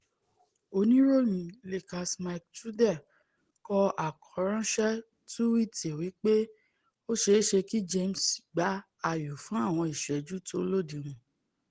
Oníròyìn Lakers Mike Trudell kọ àkọránṣẹ́ túwìtì wí pé ó ṣeé ṣe kí James gbá ayò fún àwọn ìṣẹ́jú tó lódiwọ̀n.